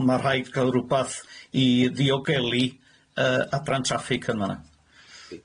ond ma' rhaid cal rwbath i ddiogelu y- adran traffig yn fan 'na.